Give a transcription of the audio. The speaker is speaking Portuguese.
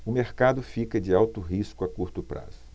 o mercado fica de alto risco a curto prazo